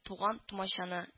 Туган-тумачаны